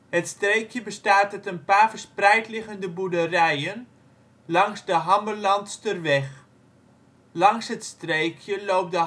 Het streekje bestaat uit een paar verspreid liggende boerderijen langs de Hammelandsterweg. Langs het streekje loopt de